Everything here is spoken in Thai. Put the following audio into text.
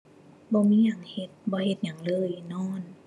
บ่มีหยังเฮ็ด บ่เฮ็ดหยังเลย นอน